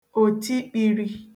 òtikpiri